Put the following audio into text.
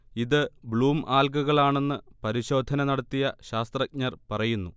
ഇത് ബ്ലൂം ആൽഗകളാണെന്ന് പരിശോധന നടത്തിയ ശാസ്തജഞർ പറയുന്നു